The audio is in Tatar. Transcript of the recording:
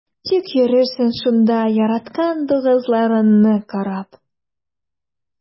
Тик йөрерсең шунда яраткан дуңгызларыңны карап.